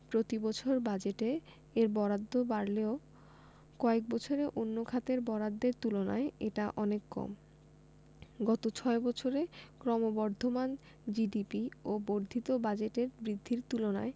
প্রতিবছর বাজেটে এর বরাদ্দ বাড়লেও কয়েক বছরে অন্য খাতের বরাদ্দের তুলনায় এটা অনেক কম গত ছয় বছরে ক্রমবর্ধমান জিডিপি ও বর্ধিত বাজেটের বৃদ্ধির তুলনায়